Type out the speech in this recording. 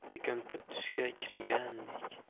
ko'kimtir tusga kirgandek